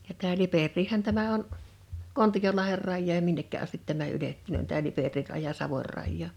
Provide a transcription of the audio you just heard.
ja tämä Liperiähän tämä on Kontiolahden rajaan ja minnekä asti tämä ylettynee tämä Liperin raja Savon rajaan